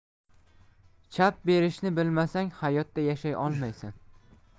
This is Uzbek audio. chap berishni bilmasang hayotda yashay olmaysan